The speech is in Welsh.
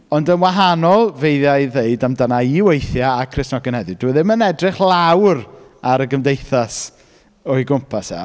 Ond yn wahanol, feiddia i ddeud amdana i weithiau a Crisnogion heddiw. Dyw e ddim yn edrych lawr ar y gymdeithas o'i gwmpas e...